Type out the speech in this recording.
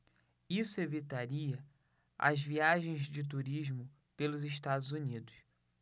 isso evitaria as viagens de turismo pelos estados unidos